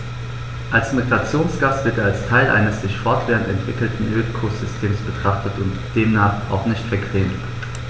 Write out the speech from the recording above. Als Migrationsgast wird er als Teil eines sich fortwährend entwickelnden Ökosystems betrachtet und demnach auch nicht vergrämt.